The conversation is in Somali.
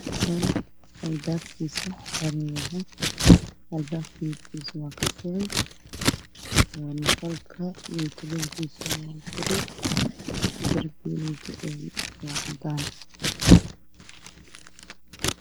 Qol albaabkiisa xiranyahay oo qaxwi ah